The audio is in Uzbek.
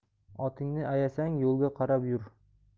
otingni ayasang yo'lga qarab yur